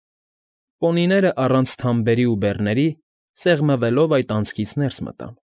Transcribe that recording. Պոնիները առանց թամբերի ու բեռների սեղմվելով՝ այդ անցքից ներս մտան։